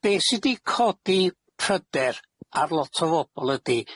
be' sy 'di codi pryder ar lot o fobol ydi